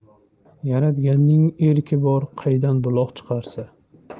yaratganning erki bor qaydan buloq chiqarsa